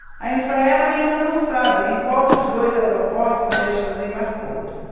a infraero ainda não sabe em qual dos dois aeroportos alexandre embarcou